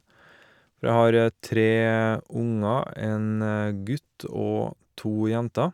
For jeg har tre unger, en gutt og to jenter.